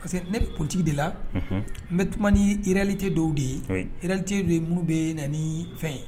Parce que ne bɛ politique de la. Unhun! N bɛ kuma ni réalité dɔw de ye. Oui ,. réalité bɛ minnu bɛ na ni fɛn ye